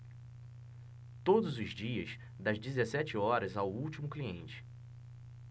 todos os dias das dezessete horas ao último cliente